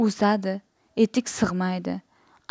o'sadi etik sig'maydi